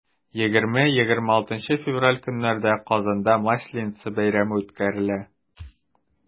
20-26 февраль көннәрендә казанда масленица бәйрәме үткәрелә.